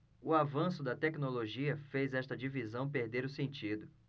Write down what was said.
o avanço da tecnologia fez esta divisão perder o sentido